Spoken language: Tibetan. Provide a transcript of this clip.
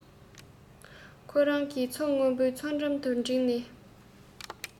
ཁོ རང གི མཚོ སྔོན པོའི མཚོ འགྲམ དུ འགྲེངས ནས